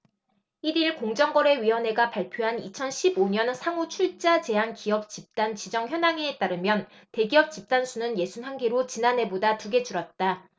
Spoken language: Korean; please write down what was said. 일 일 공정거래위원회가 발표한 이천 십 오 년 상호출자제한기업집단 지정현황에 따르면 대기업 집단수는 예순 한 개로 지난해보다 두 개 줄었다